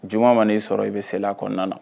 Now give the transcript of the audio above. Juma man'i sɔrɔ i bɛ se kɔnɔna na